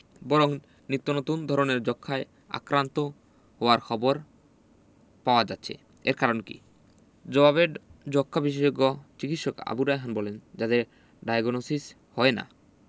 বরং নিত্যনতুন ধরনের যক্ষ্মায় আক্রান্ত হওয়ার খবর পাওয়া যাচ্ছে এর কারণ কী জবাবে যক্ষ্মা বিশেষজ্ঞ চিকিৎসক আবু রায়হান বলেন যাদের ডায়াগনসিস হয় না